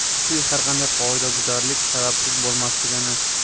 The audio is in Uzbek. ko'pchilik har qanday qoidabuzarlik sababsiz bo'lmasligini yo